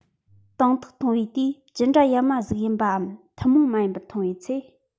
དང ཐོག མཐོང བའི དུས ཇི འདྲ ཡ མ གཟུགས ཡིན པའམ ཐུན མོང མ ཡིན པར མཐོང བའི ཚེ